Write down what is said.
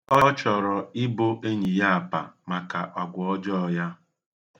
Ọ chọrọ ibo enyi ya apa maka agwa ọjọọ ya.